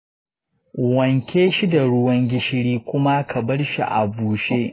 wanke shi da ruwan gishiri kuma ka bar shi a bushe.